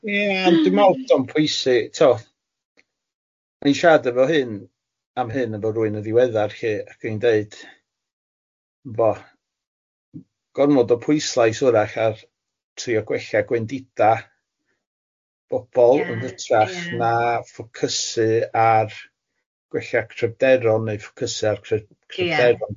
Ie ond dwi'n meddwl bod o'n pwysig tibo, o'n i'n siarad efo hyn am hyn efo rwun yn ddiweddar lly ac o'n i'n deud bo' gormod o pwyslais w'rach ar trio gwella gwendida bobol... Ie ie. ...yn hytrach na ffocysu ar gwella cryfderon neu ffocysu ar cryf- cryfderon... Ia.